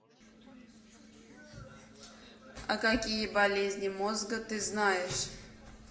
а какие болезни мозга ты знаешь